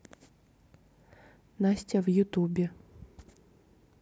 настя в ютубе